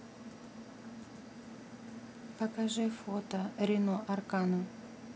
покажи фото рено аркано